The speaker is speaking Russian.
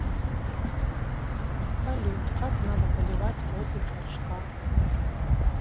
салют как надо поливать розы в горшках